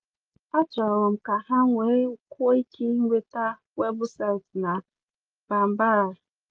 Achọrọ m ka ha nwee kwuo ike ịnweta webụsaịtị na Bambara.